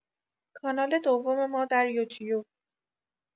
کانال دوم ما در یوتیوب